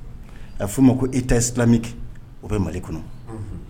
A bi fo ma ko état islamique o bɛ mali kɔnɔ. Unhun